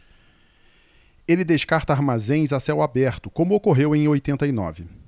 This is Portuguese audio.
ele descarta armazéns a céu aberto como ocorreu em oitenta e nove